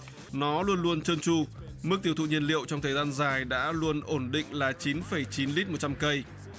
nó luôn luôn trơn tru mức tiêu thụ nhiên liệu trong thời gian dài đã luôn ổn định là chín phẩy chín lít một trăm cây